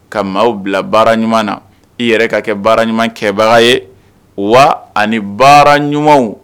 Ka maa bila baara ɲuman na i yɛrɛ ka kɛ baara ɲuman kɛ baara ye wa ani baara ɲumanw